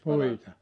puita